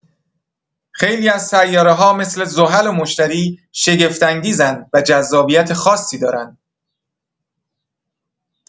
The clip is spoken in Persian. خیلی از سیاره‌ها مثل زحل و مشتری شگفت‌انگیزن و جذابیت خاصی دارن.